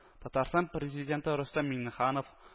Татарстан Президенты Рөстәм Миңнеханов